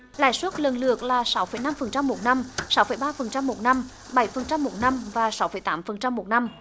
lãi suất lần lượt là sáu phẩy năm phần trăm một năm sáu phẩy ba phần trăm một năm bảy phần trăm một năm và sáu phẩy tám phần trăm một năm